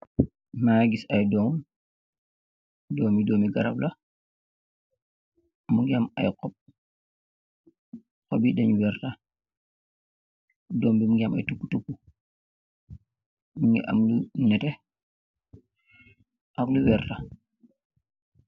Mangy gis aiiy dorm, dorm yi dormi garab la, mungy am aiiy hohbb, hohbb yii dengh vertah, dorm bi mungy am aaiy tupu tupu, njungy am nehteh am vertah.